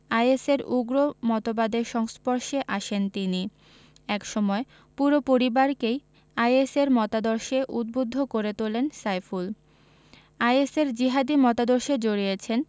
আইএসের উগ্র মতবাদের সংস্পর্শে আসেন তিনি একসময় পুরো পরিবারকেই আইএসের মতাদর্শে উদ্বুদ্ধ করে তোলেন সাইফুল আইএসের জিহাদি মতাদর্শে জড়িয়েছেন